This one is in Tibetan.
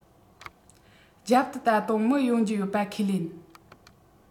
རྒྱབ དུ ད དུང མི ཡོང རྒྱུ ཡོད པ ཁས ལེན